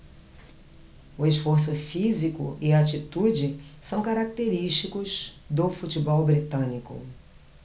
o esforço físico e a atitude são característicos do futebol britânico